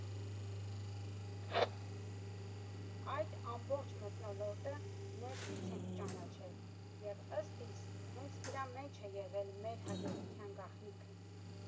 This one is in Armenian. Այդ ամբողջ մթնոլորտը ներսից ենք ճանաչել և ըստ իս հենց դրա մեջ է եղել մեր հաջողության գաղտնիքը։